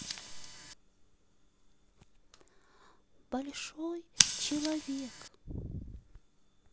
большой человек